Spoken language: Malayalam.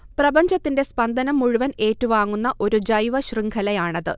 പ്രപഞ്ചത്തിന്റെ സ്പന്ദനം മുഴുവൻ ഏറ്റുവാങ്ങുന്ന ഒരു ജൈവശൃംഖലയാണത്